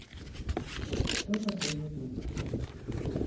кто такой youtube